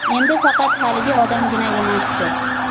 endi faqat haligi odamgina emasdi